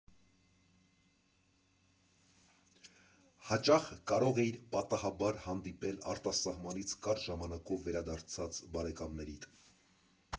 Հաճախ կարող էիր պատահաբար հանդիպել արտասահմանից կարճ ժամանակով վերադարձած բարեկամներիդ։